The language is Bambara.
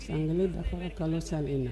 Sankelen ba kalo sa na